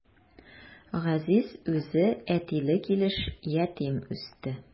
Газиз үзе әтиле килеш ятим үсте.